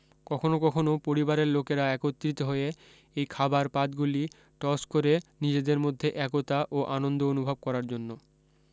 কখনো কখনো পরিবারের লোকেরা একত্রিত হয়ে এই খাবার পাতগুলি টস করে নিজেদের মধ্যে একতা ও আনন্দ অনুভব করার জন্য